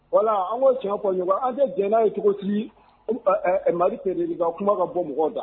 Wala an ko tiɲɛɔn an tɛ jɛna' ye cogo mali tɛ de ka kuma ka bɔ mɔgɔ da